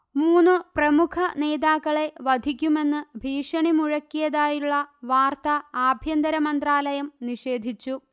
മൂന്നു പ്രമുഖ നേതാക്കളെ വധിക്കുമെന്ന്ഭീഷണി മുഴക്കിയതായുള്ള വാർത്ത ആഭ്യന്തര മന്ത്രാലയം നിഷേധിച്ചു